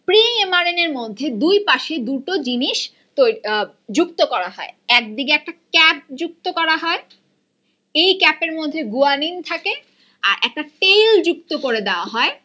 pre R N এর মধ্যে দুই পাশে দুটো জিনিস যুক্ত করা হয় একদিকে একটা ক্যাপ যুক্ত করা হয় এই ক্যাপ এর মধ্যে গুয়ানিন থাকে আরেকটা টেইল যুক্ত করে দেওয়া হয়